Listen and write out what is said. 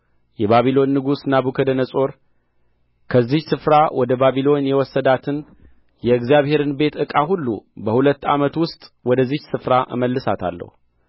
የባቢሎን ንጉሥ ናቡከደነፆር ከዚህች ስፍራ ወደ ባቢሎን የወሰዳትን የእግዚአብሔርን ቤት ዕቃ ሁሉ በሁለት ዓመት ውስጥ ወደዚህች ስፍራ እመልሳታለሁ